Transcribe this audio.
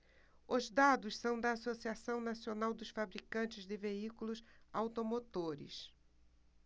os dados são da anfavea associação nacional dos fabricantes de veículos automotores